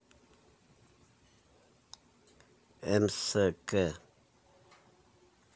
мск